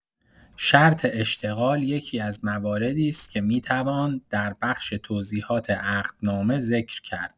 شرط اشتغال یکی‌از مواردی است که می‌توان در بخش توضیحات عقدنامه ذکر کرد.